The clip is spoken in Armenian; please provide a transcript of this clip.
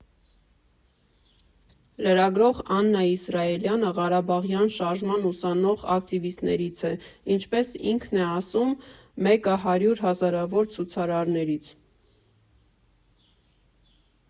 Լրագրող Աննա Իսրայելյանը Ղարաբաղյան շարժման ուսանող ակտիվիստներից է, ինչպես ինքն է ասում՝ մեկը հարյուր հազարավոր ցուցարարներից։